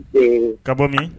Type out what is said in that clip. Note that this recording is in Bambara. Ɔ ka bɔ min